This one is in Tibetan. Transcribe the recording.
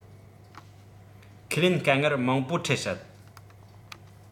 ཁས ལེན དཀའ ངལ མང པོ འཕྲད སྲིད